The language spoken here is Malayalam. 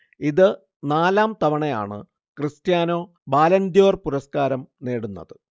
ഇത് നാലാം തവണയാണ് ക്രിസ്റ്റ്യാനോ ബാലൺദ്യോർ പുരസ്കാരം നേടുന്നത്